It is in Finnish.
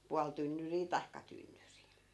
puoli tynnyriä tai tynnyri